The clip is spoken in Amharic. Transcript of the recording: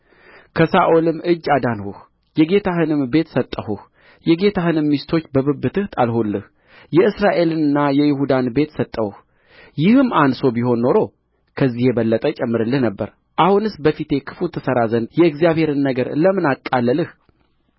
ከሳኦልም እጅ አዳንሁህ የጌታህንም ቤት ሰጠሁህ የጌታህንም ሚስቶች በብብትህ ጣልሁልህ የእስራኤልንና የይሁዳን ቤት ሰጠሁህ ይህም አንሶ ቢሆን ኖሮ ከዚህ የበለጠ እጨምርልህ ነበር አሁንስ በፊቱ ክፉ ትሠራ ዘንድ የእግዚአብሔርን ነገር ለምን አቃለልህ